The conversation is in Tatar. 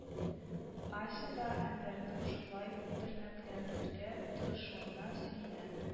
Ася да әнвәрнең шулай тернәкләренергә тырышуына сөенә